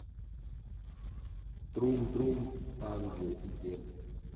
трум трум ангел и демон